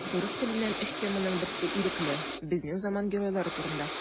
Урыс теленнән өч теманың берсе ирекле: безнең заман геройлары турында.